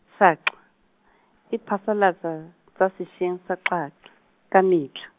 SAQA, e phasalatsa, tsa sesheng SAQA -qa, ka metlha.